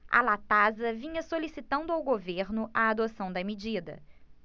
a latasa vinha solicitando ao governo a adoção da medida